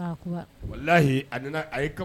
Walahi a nana